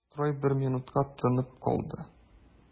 Строй бер минутка тынып калды.